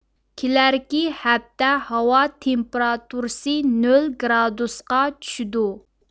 كېلەركى ھەپتە ھاۋا تېمپراتۇرىسى نۆل گرادۇسقا چۈشىدۇ